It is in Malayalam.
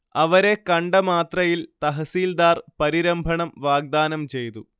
അവരെ കണ്ട മാത്രയിൽ തഹസീൽദാർ പരിരംഭണം വാഗ്ദാനം ചെയ്തു